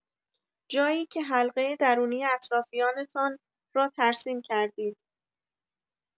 جایی که حلقه درونی اطرفیانتان را ترسیم کردید.